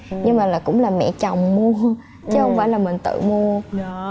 nhưng mà là cũng là mẹ chồng mua chứ không phải là mình tự mua